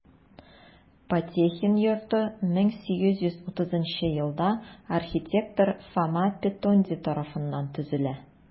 Потехин йорты 1830 елда архитектор Фома Петонди тарафыннан төзелә.